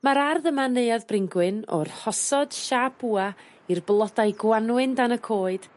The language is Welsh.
Ma'r ardd yma yn Neuadd Bryngwyn o'r rhosod siâp bwa i'r blodau gwanwyn dan y coed